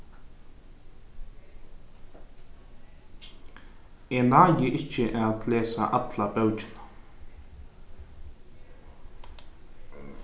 eg nái ikki at lesa alla bókina